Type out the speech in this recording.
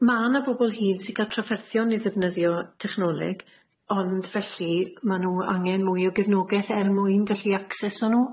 ma' 'na bobol hŷn sy' ga'l trafferthion i ddefnyddio technoleg ond felly ma' 'nw angen mwy o gefnogaeth er mwyn gallu accessio nhw.